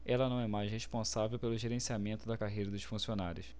ela não é mais responsável pelo gerenciamento da carreira dos funcionários